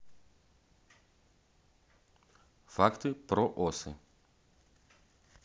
факты про осы